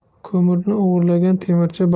ko'mirni o'g'irlagan temirchi